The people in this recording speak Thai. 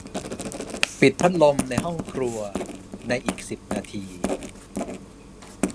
ปิดพัดลมในห้องครัวในอีกสิบนาที